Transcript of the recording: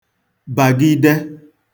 bàgide